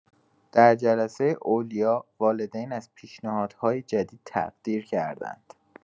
در جلسه اولیاء، والدین از پیشنهادهای جدید تقدیر کردند.